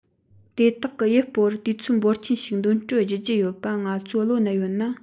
དེ དག གིས ཡུལ སྤོ བར དུས ཚོད འབོར ཆེན ཞིག འདོན སྤྲོད བགྱི རྒྱུ ཡོད པ ང ཚོའི བློ ན ཡོད ན